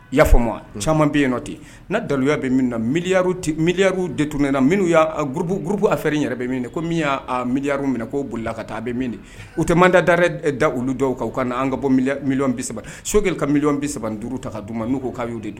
Y yaa faamuyama caman bɛ yen nɔ ten na daluya bɛ min na mi miyabu de tunun ne na minnuu y'aurubu gurubu a fɛrin yɛrɛ bɛ min minɛ ko min y'a miiriyaro minɛ k'o bolila ka taa a bɛ min u tɛ man da daɛrɛ da olu dɔw kan u ka n an ka bɔ miy bi saba sokiri ka miy bi saba duuruuru ta ka' u ma n'u' k'a' de don